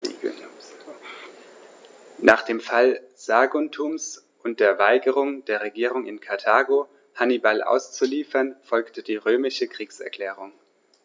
Nach dem Fall Saguntums und der Weigerung der Regierung in Karthago, Hannibal auszuliefern, folgte die römische Kriegserklärung.